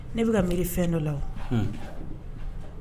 Ne be ka miiri fɛn dɔ la o unh